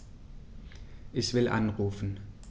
Ich will anrufen.